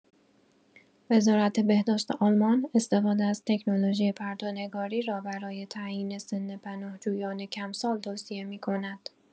وزارت بهداشت آلمان استفاده از تکنولوژی «پرتونگاری» را برای تعیین سن پناهجویان کم‌سال توصیه می‌کند.